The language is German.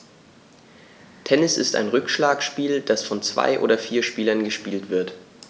Tennis ist ein Rückschlagspiel, das von zwei oder vier Spielern gespielt wird.